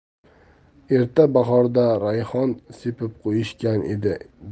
erta bahorda rayhon sepib qo'yishgan edi